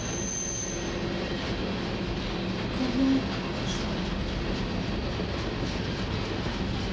канал про животных